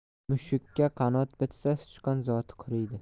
mushukka qanot bitsa sichqon zoti quriydi